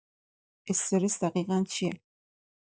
استرس دقیقا چیه؟